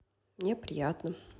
мне приятно